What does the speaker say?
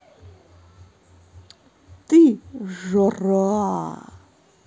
ты жара